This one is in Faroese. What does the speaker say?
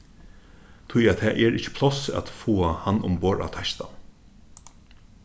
tí at tað er ikki pláss at fáa hann umborð á teistan